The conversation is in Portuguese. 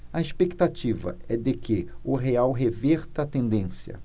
a expectativa é de que o real reverta a tendência